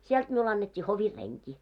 sieltä minulle annettiin hovin renki